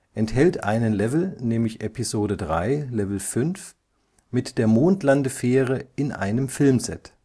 enthält einen Level (Episode 3, Level 5) mit der Mondlandefähre in einem Filmset